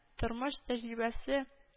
Тормош тәҗрибәсе